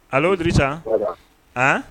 A'o di sa a